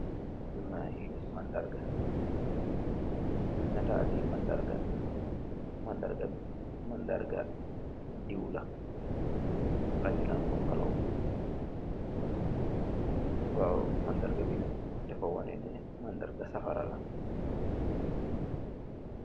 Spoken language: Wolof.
Ay mandarga, nataal yi mandarga. Mandarga bi, mandarga diw la. Am ñu naan ko ngalaw. Mandarga bi nak dafa wane ne, mandarga safara la.